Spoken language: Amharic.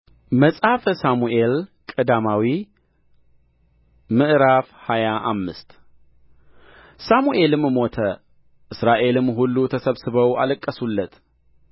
መጽሐፈ ሳሙኤል ቀዳማዊ ምዕራፍ ሃያ አምስት ሳሙኤልም ሞተ እስራኤልም ሁሉ ተሰብስበው አለቀሱለት